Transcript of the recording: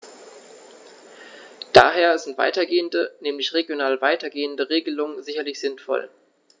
Daher sind weitergehende, nämlich regional weitergehende Regelungen sicherlich sinnvoll.